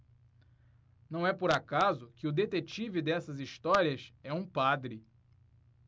não é por acaso que o detetive dessas histórias é um padre